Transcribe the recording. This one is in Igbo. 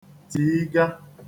tìiga